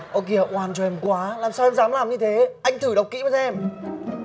ơ kìa oan cho em quá làm sao em dám làm như thế anh thử đọc kỹ mà xem